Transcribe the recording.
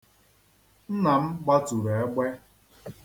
Nna m gbaturu egbe.